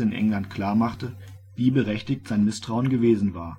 England klar machte, wie berechtigt sein Misstrauen gewesen war